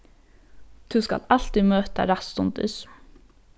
tú skalt altíð møta rættstundis